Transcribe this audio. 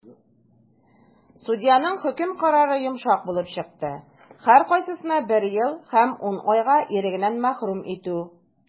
Судьяның хөкем карары йомшак булып чыкты - һәркайсына бер ел һәм 10 айга ирегеннән мәхрүм итү.